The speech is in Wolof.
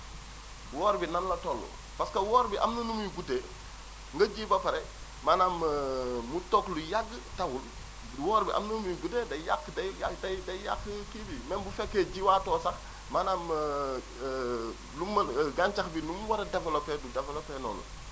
woor bi nan la toll parce que woor bi am na nu muy guddee nga ji ba pare maanaam mu toog lu yàgg tawul woor bi am na nu muy guddee day yàgg day ya day yàq kii bi même bu fekkee jiwaatoo sax maanaam lu mën gàncax bi ni mu war a développé du développé noonu